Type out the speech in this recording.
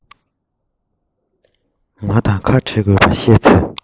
ང དང ཁ འབྲལ དགོས པ ཤེས ཚེ